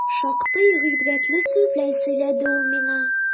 Шактый гыйбрәтле сүзләр сөйләде ул миңа.